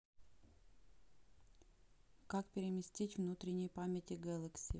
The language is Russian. как переместить внутренней памяти galaxy